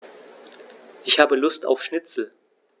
Ich habe Lust auf Schnitzel.